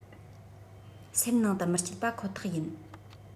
སེམས ནང དུ མི སྐྱིད པ ཁོ ཐག ཡིན